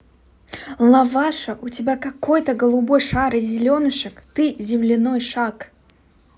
лаваша у тебя какой то голубой шар и зеленушек ты земляной шаг